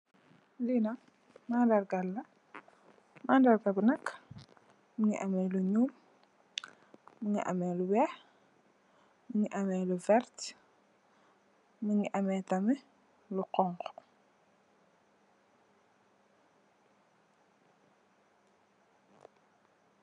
Li nak mandarrga mandarrga bi nak Mungi ameh lu nyuul Mungi ameh lu weih Mungi ameh lu verteh Mungi ameh tamit lu hunhu .